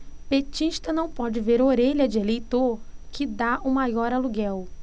petista não pode ver orelha de eleitor que tá o maior aluguel